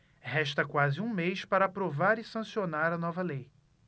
resta quase um mês para aprovar e sancionar a nova lei